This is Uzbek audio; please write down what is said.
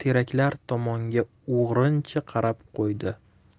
teraklar tomonga o'g'rincha qarab qo'ydi